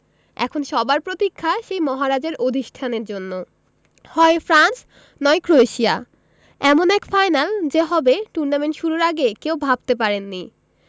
এখন সবার প্রতীক্ষা সেই মহারাজের অধিষ্ঠানের জন্য হয় ফ্রান্স নয় ক্রোয়েশিয়া এমন এক ফাইনাল যে হবে টুর্নামেন্ট শুরুর আগে কেউ ভাবতে পারেননি